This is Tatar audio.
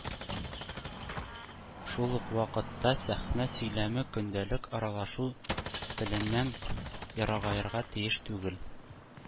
Шул ук вакытта сәхнә сөйләме көндәлек аралашу теленнән ерагаерга тиеш түгел.